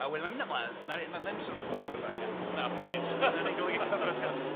A wedyn ma'n mynd ymlan naw' ni 'na- 'nai ddim sôn am pob un o'r ddau gant a hanner... Na paid. 'Sa hynny' golygu cyfres gyf-